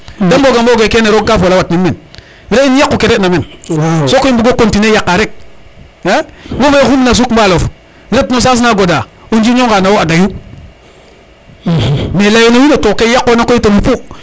de mboga mboge roog ka fola wat nin meen re in yaqu ke re ina meen sokoy mbugo continuer yaqa rek waxey sumna suq mbalof ret no saas na goda o ndirño nga no wo a deyu mais leyuno wiin we to ke yaqona koy ten xupu